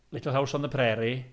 Little House on the Prairie.